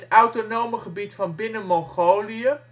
autonome gebied van Binnen-Mongolië